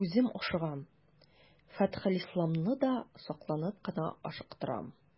Үзем ашыгам, Фәтхелисламны да сакланып кына ашыктырам.